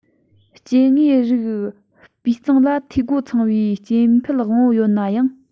སྐྱེ དངོས རིགས སྤུས གཙང ལ འཐུས སྒོ ཚང བའི སྐྱེ འཕེལ དབང པོ ཡོད ནའང